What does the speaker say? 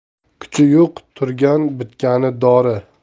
kuchi yo'q turgan bitgani dori